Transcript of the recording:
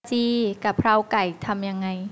โกวาจีกะเพราไก่ทำยังไง